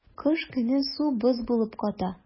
Кыш көне су боз булып ката.